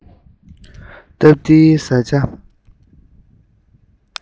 སྟབས བདེའི མལ ཆས